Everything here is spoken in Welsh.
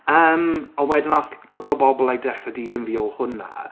Yym, ond wedyn wnaeth cwpl o bobl like dechrau dilyn fi o hwnna...